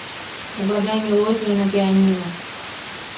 угадай мелодию на пианино